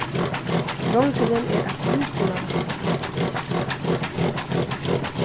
drongurin er eitt illsinnavætti